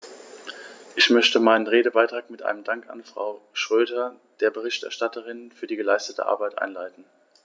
Ich möchte meinen Redebeitrag mit einem Dank an Frau Schroedter, der Berichterstatterin, für die geleistete Arbeit einleiten.